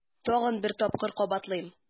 Тагын бер тапкыр кабатлыйм: